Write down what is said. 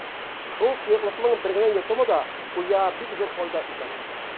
Шул сыеклыкның бер генә йотымы да хуҗага бик зур файда итәр иде.